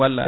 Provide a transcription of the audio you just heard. wallay